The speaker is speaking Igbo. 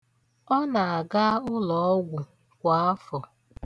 Ọ na-aga ụlọọgwụ kwa afọ.